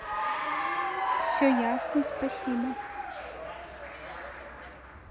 все ясно спасибо